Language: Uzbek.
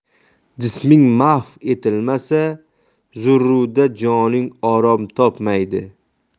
jisming mahv etilmasa zurruda joning orom topmaydi